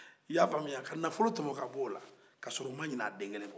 i y'a faamuya ka nafolo tɔmɔn ka bɔ o la k'a sɔrɔ u ma ɲina a den kelen kɔ